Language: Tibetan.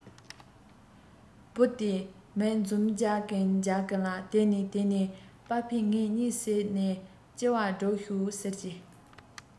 བུ དེས མིག འཛུམ རྒྱག གིན རྒྱག གིན ལ དེ ནས དེ ནས པ ཕས ངའི གཉིད བསད ནས ལྕི བ སྒྲུག ཤོག ཟེར གྱིས